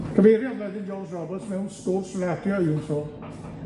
Cyfeiriodd wedyn George Roberts mewn sgwrs radio un tro